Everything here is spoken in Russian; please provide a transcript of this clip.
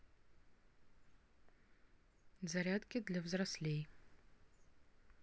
зарядки для взрослей